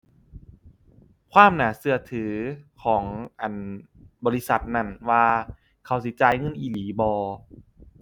ความน่าเชื่อถือของ อั่น บริษัทนั้นว่าเขาสิจ่ายเงินอีหลีบ่